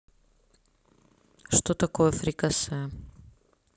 что такое фрикасе